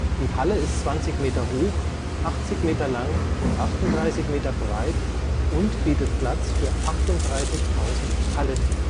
Die Halle ist 20 Meter hoch, 80 Meter lang, 38 Meter breit und bietet Platz für 38.000 Paletten